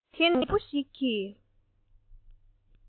དེ ན མི མང པོ ཞིག གིས